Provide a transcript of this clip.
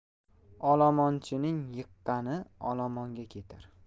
olomonchining yiqqani olomonga ketar